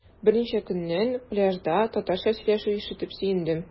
Берничә көннән пляжда татарча сөйләшү ишетеп сөендем.